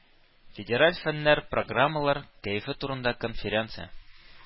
Федераль фэннэр программалар кәефе турында конференция.